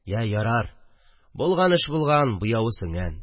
Я, ярар, булган эш булган, буявы сеңгән